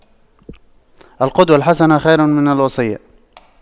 القدوة الحسنة خير من الوصية